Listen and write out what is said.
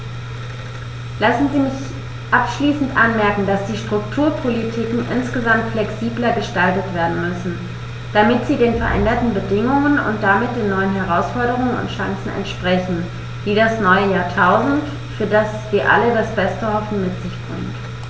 Lassen Sie mich abschließend anmerken, dass die Strukturpolitiken insgesamt flexibler gestaltet werden müssen, damit sie den veränderten Bedingungen und damit den neuen Herausforderungen und Chancen entsprechen, die das neue Jahrtausend, für das wir alle das Beste hoffen, mit sich bringt.